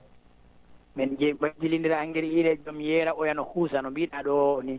min je min jillinndira engrais UREE mino yeera oya no huusa no mbiɗa ɗoo o nii